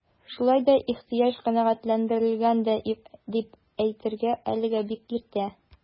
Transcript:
Шулай да ихтыяҗ канәгатьләндерелгән дип әйтергә әлегә бик иртә.